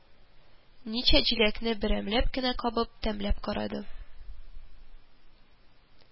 Ничә җиләкне берәмләп кенә кабып, тәмләп карады